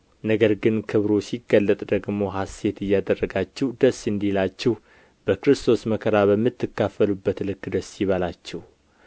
ነገር ግን ክብሩ ሲገለጥ ደግሞ ሐሤት እያደረጋችሁ ደስ እንዲላችሁ በክርስቶስ መከራ በምትካፈሉበት ልክ ደስ ይበላችሁ